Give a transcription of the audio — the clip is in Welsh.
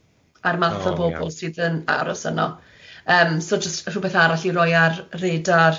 a'r math o bobl sydd yn aros yno yym so jyst rywbeth arall i roi ar radar.